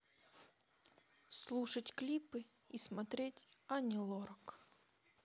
слушать клипы и смотреть ани лорак